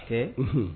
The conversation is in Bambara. Kɛ unhun